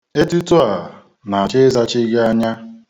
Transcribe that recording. Etuto a na-achọ izachi gị anya.